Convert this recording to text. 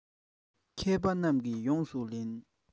མཁས པ རྣམས ནི ཡོངས སུ ལེན